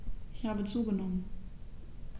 Ich habe zugenommen.